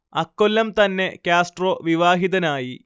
അക്കൊല്ലം തന്നെ കാസ്ട്രോ വിവാഹിതനായി